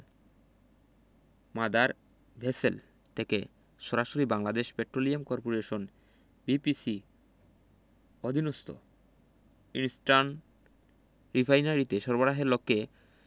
mother vessel থেকে সরাসরি Bangladesh petroleum করপোরেশনের বিপিসি অধীনস্থ ইস্টার্ন রিফাইনারিতে সরবরাহের লক্ষ্যে